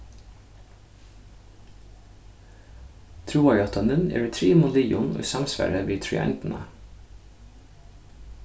trúarjáttanin er í trimum liðum í samsvari við tríeindina